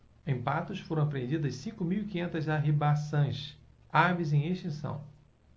em patos foram apreendidas cinco mil e quinhentas arribaçãs aves em extinção